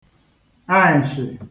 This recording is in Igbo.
aịnshị